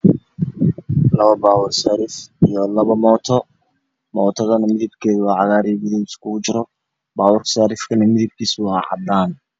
Labo baabuur oo saarif ah iyo labo mooto midabkeedu waa cagaar iyo madow iskugu jira. Baabuurka saarifka waa cadaan.